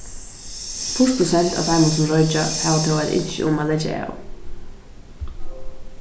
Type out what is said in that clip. fýrs prosent av teimum sum roykja hava tó eitt ynski um at leggja av